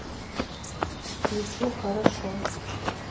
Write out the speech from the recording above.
и включу хорошо